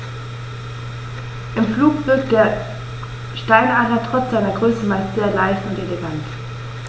Im Flug wirkt der Steinadler trotz seiner Größe meist sehr leicht und elegant.